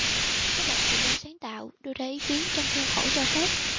các bạn tự do sáng tạo đưa ra ý kiến trong khuôn khổ cho phép